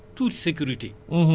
moo ci ëpp solo sax d' ailleurs